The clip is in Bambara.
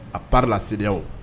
À part la CEDEAO